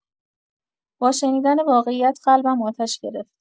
با شنیدن واقعیت قلبم آتش گرفت.